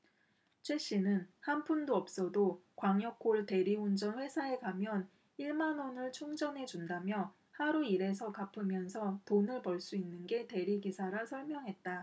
최씨는 한 푼도 없어도 광역콜 대리운전 회사에 가면 일 만원을 충전해준다며 하루 일해서 갚으면서 돈을 벌 수 있는 게 대리기사라 설명했다